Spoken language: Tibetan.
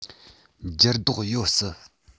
འགྱུར ལྡོག ཡོད སྲིད